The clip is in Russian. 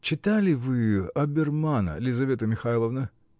-- Читали вы "Обермана", Лизавета Михайловна?